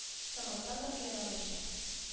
Са- маттан да ояла гайшә